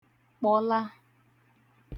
kpọla